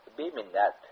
o'zingniki beminnat